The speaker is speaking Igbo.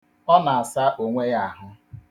Ọ na-asa onwe ya ahụ.